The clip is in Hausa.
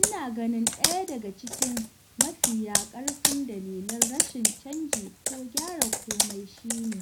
Ina ganin ɗaya daga cikin mafiya ƙarfin dalilan rashin canji ko gyara komai shi ne,